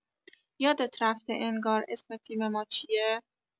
یادت رفته انگار اسم تیم ما چیه؟